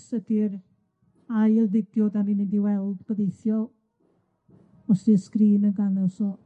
###ydi'r ail fideo 'dan ni'n mynd i weld gobeithiol, os 'di'r sgrîn yn dangos o